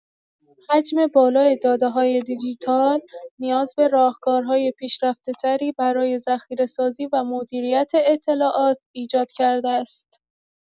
حجم بالای داده‌های دیجیتال، نیاز به راهکارهای پیشرفته‌تری برای ذخیره‌سازی و مدیریت اطلاعات ایجاد کرده است.